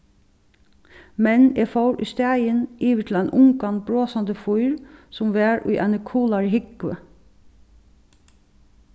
men eg fór ístaðin yvir til ein ungan brosandi fýr sum var í eini kulari húgvu